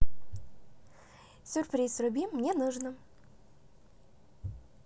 сюрприз вруби мне нужно